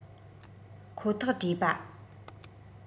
ཁོ ཐག བྲོས པ